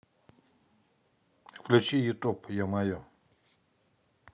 ютуб включи е мое